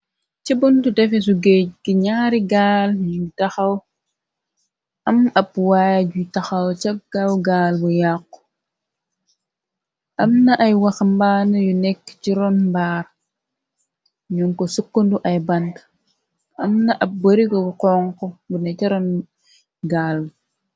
Si buntu tefesu géej gi ñaari gaal ñu gi taxaw, am ab waay ju taxaw ca kaw gaal bu yàqu, am na ay waxambaan yu nekk ci ron mbaar, ñun ko sukkundu ay bant am na ab bërigo bu xonxu bu ne sa roon gaal.